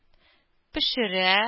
Пешерә